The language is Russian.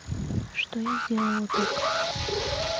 что я сделала так